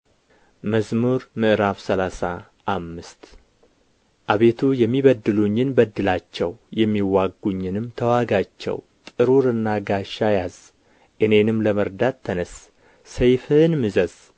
መዝሙር ምዕራፍ ሰላሳ አምሰት አቤቱ የሚበድሉኝን በድላቸው የሚዋጉኝንም ተዋጋቸው ጥሩርና ጋሻ ያዝ እኔንም ለመርዳት ተነሥ ሰይፍህን ምዘዝ